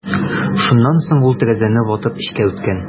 Шуннан соң ул тәрәзәне ватып эчкә үткән.